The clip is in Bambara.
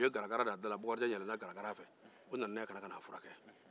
u ye garagara da la bakarijan yɛlɛnna garagara fɛ u nana furakɛ